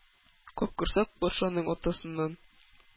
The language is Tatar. Капкорсак патшаның атасыннан